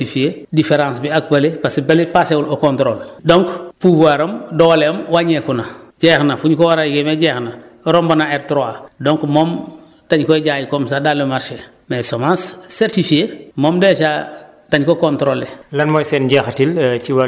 donc semence non certifiée différence bi ak bële parce que bële paasewul au contrôle donc pouvoir am dooleem wàññeeku na jeex na fu ñu ko war a yemee jeex na romb na R3 donc moom dañ koy jaay comme sax dallu marché mais semence certifiée moom dèjà dañ ko contrôlé